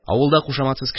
Авылда кушаматсыз кеше